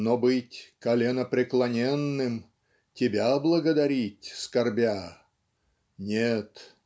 Но быть коленопреклоненным, Тебя благодарить скорбя? Нет.